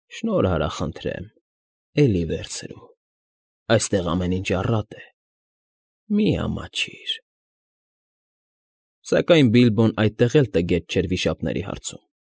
Շնորհ արա, խնդրեմ, էլի վերցրու, այստեղ ամեն ինչ առատ է, մի՛ ամաչիր… Սակայն Բիլբոն այդքան էլ տգետ չէր վիշապների հարցում։